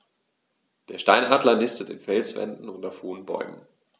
Der Steinadler nistet in Felswänden und auf hohen Bäumen.